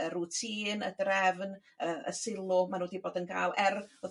y rwtin y drefn y y sylw ma' nhw 'di bod yn ga'l er th- wrth